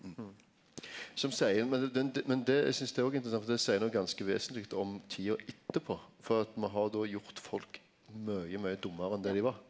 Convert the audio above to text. som seier men det eg synst det òg er interessant for det seier noko ganske vesentleg om tida etterpå for at ein har då gjort folk mykje mykje dummare enn det dei var.